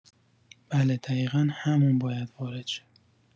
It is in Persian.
بله دقیقا همون باید وارد شه